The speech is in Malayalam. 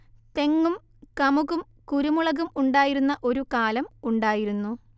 തെങ്ങും കമുകും കുരുമുളകും ഉണ്ടായിരുന്ന ഒരു കാലം ഉണ്ടായിരുന്നു